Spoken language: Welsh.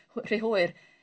...rh- rhy hwyr